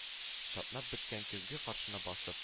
Чатнап беткән көзге каршына басып